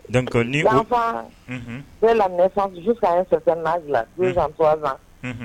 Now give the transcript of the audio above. Donc ni o l'enfant dés la naissance jusqu'à un certain âge là unhun 2 ans 3 ans unh